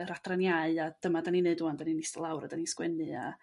yr adran iáu a dyma 'dan ni'n neud 'wan 'dyn ni'n ista lawr a 'dan ni sgwennu a